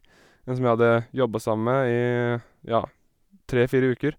En som jeg hadde jobba sammen med i, ja, tre fire uker.